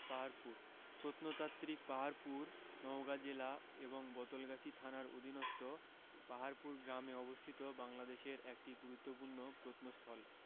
পাহাড়পুর প্রত্নতাত্ত্বিক পাহাড়পুর নওগাঁ জেলা এবং বদলগাছী থানার অধীনস্থ পাহাড়পুর গ্রামে অবস্থিত বাংলাদেশের একটি গুরুত্বপূর্ণ প্রত্নস্থল